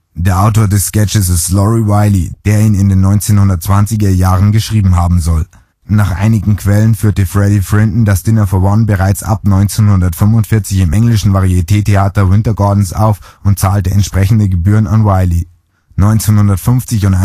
Der Autor des Sketches ist Lauri Wylie, der ihn in den 1920er Jahren geschrieben haben soll. Nach einigen Quellen führte Freddie Frinton das Dinner for One bereits ab 1945 im englischen Variete-Theater Winter Gardens auf und zahlte entsprechend Gebühren an Wylie. 1950 / 1951